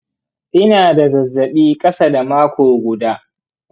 ina da zazzaɓi ƙasa da mako guda.